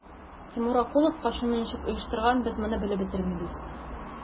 Тимур Акулов качуны ничек оештырган, без моны белеп бетермибез.